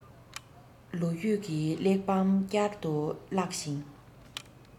ལོ རྒྱུས ཀྱི གླེགས བམ བསྐྱར དུ བཀླགས ཤིང